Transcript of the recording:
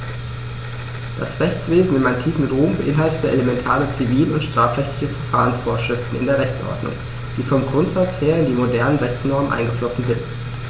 Das Rechtswesen im antiken Rom beinhaltete elementare zivil- und strafrechtliche Verfahrensvorschriften in der Rechtsordnung, die vom Grundsatz her in die modernen Rechtsnormen eingeflossen sind.